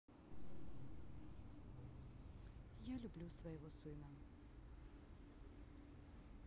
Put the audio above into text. я люблю своего сына